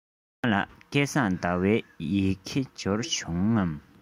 ཨ མ ལགས སྐལ བཟང ཟླ བའི ཡི གེ འབྱོར བྱུང ངམ